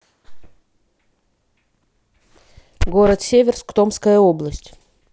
город северск томская область